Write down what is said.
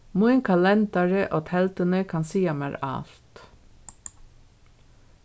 mín kalendari á telduni kann siga mær alt